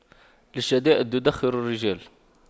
للشدائد تُدَّخَرُ الرجال